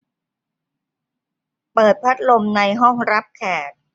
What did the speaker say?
เปิดพัดลมในห้องรับแขก